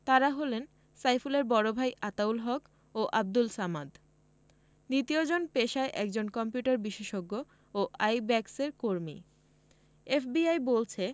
তাঁরা হলেন সাইফুলের বড় ভাই আতাউল হক ও আবদুল সামাদ দ্বিতীয়জন পেশায় একজন কম্পিউটার বিশেষজ্ঞ ও আইব্যাকসের কর্মী এফবিআই বলছে